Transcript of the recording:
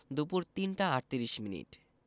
দুপুর ৩টা ৩৮ মিনিট